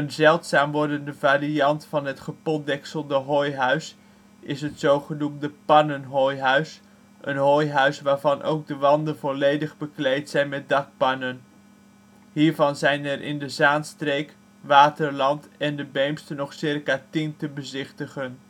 zeldzaam wordende variant van het gepotdekselde hooihuis is het zogenoemde pannenhooihuis, een hooihuis waarvan ook de wanden volledig bekleed zijn met dakpannen. Hiervan zijn er in de Zaanstreek, Waterland en de Beemster nog ca. 10 te bezichtigen